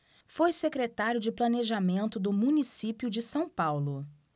foi secretário de planejamento do município de são paulo